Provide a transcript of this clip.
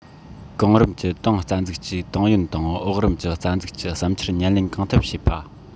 གོང རིམ གྱི ཏང རྩ འཛུགས ཀྱིས ཏང ཡོན དང འོག རིམ གྱི རྩ འཛུགས ཀྱི བསམ འཆར ཉན ལེན གང ཐུབ བྱེད པ